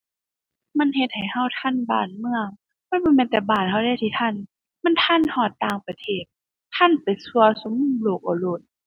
มันเฮ็ดให้เราทันบ้านเมือง มันบ่แม่นแต่บ้านเราเดะที่ทัน มันทันฮอดต่างประเทศ ทันไปสั่วซุมุมโลกเอาโลด